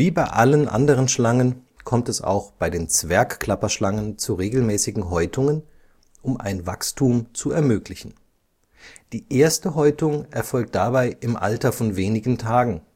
bei allen anderen Schlangen, kommt es auch bei den Zwergklapperschlangen zu regelmäßigen Häutungen, um ein Wachstum zu ermöglichen. Die erste Häutung erfolgt dabei im Alter von wenigen Tagen